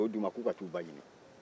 u ye so di u ma k'u ka taa u ba ɲini